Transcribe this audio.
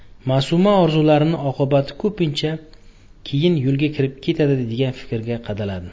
ma'suma orzularining oqibati ko'pincha keyin yo'lga kirib ketadi degan fikrga qadaladi